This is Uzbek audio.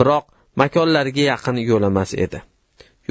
biroq makonlariga yaqin yo'lamas edi